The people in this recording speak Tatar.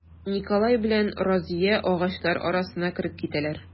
Николай белән Разия агачлар арасына кереп китәләр.